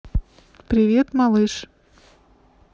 привет малыш